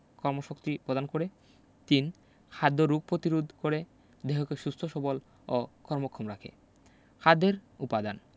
কর্মশক্তি প্রদান করে ৩ খাদ্য রোগ পতিরোধ করে দেহকে সুস্থ সবল এবং কর্মক্ষম রাখে খাদ্যের উপাদান